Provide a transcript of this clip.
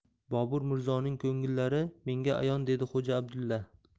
bobur mirzoning ko'ngillari menga ayon dedi xo'ja abdulla